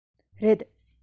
རེད